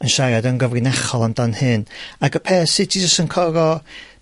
yn siarad yn gyfrinachol amdan hyn, ac y peth sy ti jyst yn coro...